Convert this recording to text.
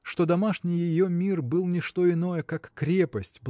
что домашний ее мир был не что иное как крепость